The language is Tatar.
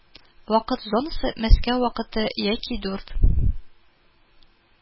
Вакыт зонасы Мәскәү вакыты яки дүрт